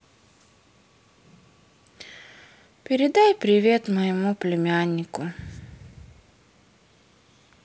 передай привет моему племяннику